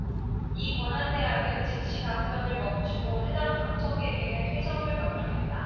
이 권한대항은 즉시 답변을 멈추고 해당 방청객에게 퇴정을 명령했다